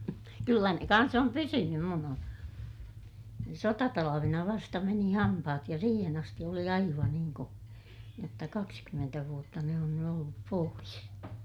kyllä ne kanssa on pysynyt minun on sotatalvena vasta meni hampaat ja siihen asti oli aivan niin - jotta kaksikymmentä vuotta ne on nyt ollut pois